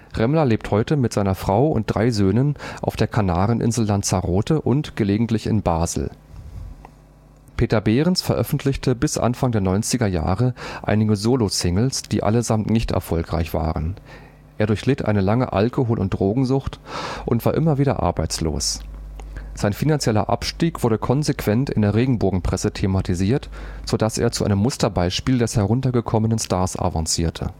Remmler lebt heute mit seiner Frau und drei Söhnen auf der Kanareninsel Lanzarote und gelegentlich in Basel. Peter Behrens veröffentlichte bis Anfang der 1990er Jahre einige Solosingles, die allesamt nicht erfolgreich waren. Er durchlitt eine lange Alkohol - und Drogensucht und war immer wieder arbeitslos. Sein finanzieller Abstieg wurde konsequent in der Regenbogenpresse thematisiert, so dass er zu einem Musterbeispiel des heruntergekommenen Stars avancierte